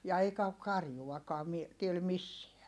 ja eikä ole karjuakaan - täällä missään